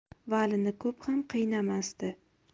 valini ko'p ham qiynamasdi